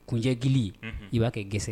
Kunjɛ gili unhun i b'a kɛ gɛsɛ